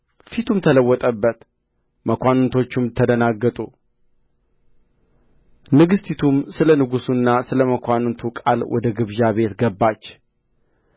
ፊቱም ተለወጠበት መኳንንቶቹም ተደናገጡ ንግሥቲቱም ስለ ንጉሡና ስለ መኳንንቱ ቃል ወደ ግብዣ ቤት ገባች